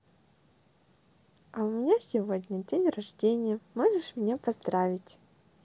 а у меня сегодня день рождения можешь меня поздравить